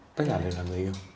tất cả đều là người yêu